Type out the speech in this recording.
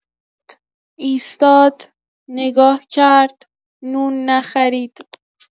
ایستاد، نگاه کرد، نون نخرید.